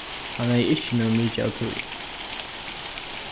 hann hevði ikki nóg mikið av tíð